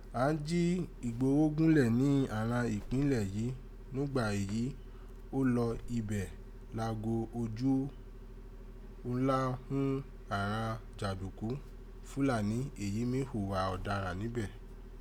Àn án jí Igboho gúnlẹ ni àghan ipinlẹ yii nùgbà èyí ó lọ ibẹ̀ la go ojú ùjà ghún àghan janduku Fulani èyí mí hùwà ọdaran nibẹ̀.